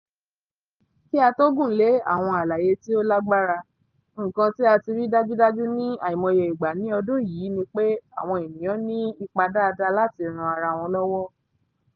Kí á tó gùnlé àwọn àlàyé tí ó lágbára, nǹkan tí a ti rí dájúdájú ní àìmọye ìgbà ní ọdún yìí ni pé àwọn ènìyàn ní ipá daada láti ran ara wọn lọ́wọ́.